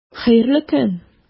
Хәерле көн!